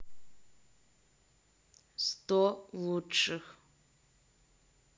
сто лучших